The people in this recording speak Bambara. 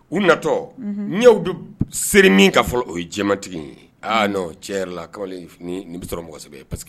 U natɔ n' bɛ se min ka fɔ o ye jɛ tigi ye aa cɛ yɛrɛ la bɛ sɔrɔ mɔgɔsɛbɛbɛ ye paseke